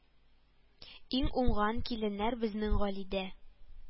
Иң уңган киленнәр безнең Галидә